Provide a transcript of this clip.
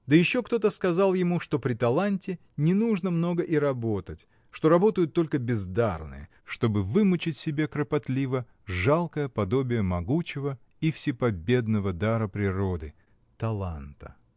Да еще кто-то сказал ему, что при таланте не нужно много и работать, что работают только бездарные, чтобы вымучить себе кропотливо жалкое подобие могучего и всепобедного дара природы — таланта.